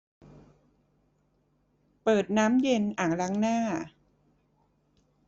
เปิดน้ำเย็นอ่างล้างหน้า